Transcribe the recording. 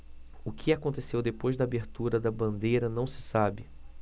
o que aconteceu depois da abertura da bandeira não se sabe